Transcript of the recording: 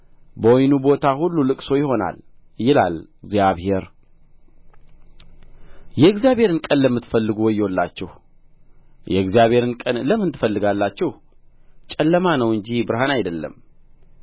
በወይኑ ቦታ ሁሉ ልቅሶ ይሆናል ይላል እግዚአብሔር የእግዚአብሔርን ቀን ለምትፈልጉ ወዮላችሁ የእግዚአብሔርን ቀን ለምን ትፈልጋላችሁ ጨለማ ነው እንጂ ብርሃን አይደለም